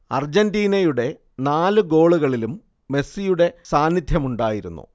അർജന്റീനയുടെ നാല് ഗോളുകളിലും മെസ്സിയുടെ സാന്നിധ്യമുണ്ടായിരുന്നു